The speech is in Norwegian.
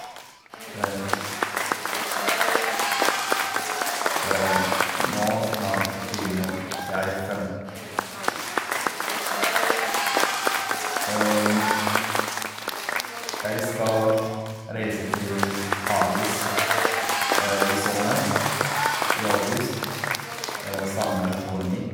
Nå snart begynner m jeg fem Jeg skal reise til Paris i sommer, i august, sammen med kona mi.